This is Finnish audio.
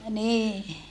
niin